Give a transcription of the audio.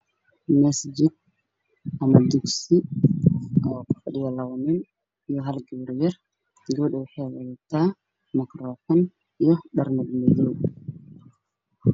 Masjid ama dugsi ay ku jiraan laba nin iyo gabar yar gabadheerto waxay wadataa macroofan iyo dhar madow